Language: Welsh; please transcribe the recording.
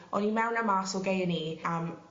o'n i mewn a mas o g- Ay an' Ee am